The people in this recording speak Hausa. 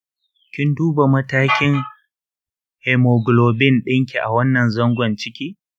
kin duba matakin haemoglobin ɗinki a wannan zangon ciki?